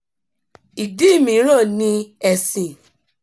Ìdí mìíràn ni ẹ̀sìn.